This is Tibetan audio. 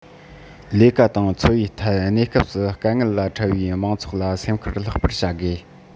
ལས ཀ དང འཚོ བའི ཐད གནས སྐབས སུ དཀའ ངལ ལ འཕྲད པའི མང ཚོགས ལ སེམས ཁུར ལྷག པར བྱ དགོས